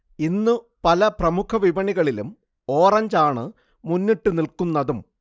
ഇന്നുപല പ്രമുഖ വിപണികളിലും ഓറഞ്ച് ആണു മുന്നിട്ടുനിക്കുന്നതും